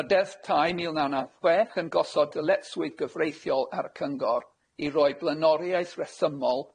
Ma'r Deddf Tai mil naw naw chwech yn gosod dyletswydd gyfreithiol ar y cyngor i roi blaenoriaeth rhesymol